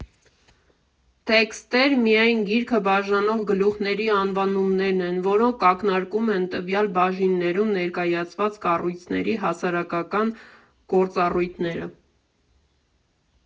Տեքստեր միայն գիրքը բաժանող գլուխների անվանումներն են, որոնք ակնարկում են տվյալ բաժիններում ներկայացված կառույցների հասարակական գործառույթները։